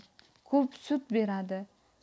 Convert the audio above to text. ko'p sut beradi